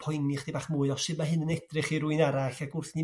poeni 'ch'dig bach mwy o sud ma' hyn yn edrych i r'wyn arall ag wrth ni